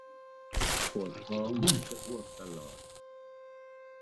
ปวดท้องเหมือนจะอ้วกตลอด